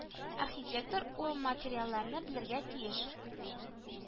Архитектор ул материалларны белергә тиеш